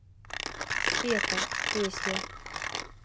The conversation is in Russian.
sveta песня